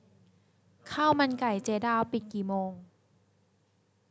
ข้าวมันไก่เจ๊ดาวปิดกี่โมง